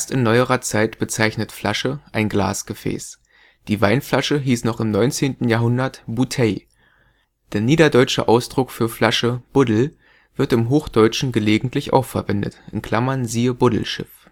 in neuerer Zeit bezeichnet „ Flasche “ein Glasgefäß – die Weinflasche hieß noch im 19. Jahrhundert Bouteille. Der niederdeutsche Ausdruck für Flasche „ Buddel “wird im Hochdeutschen gelegentlich auch verwendet (siehe Buddelschiff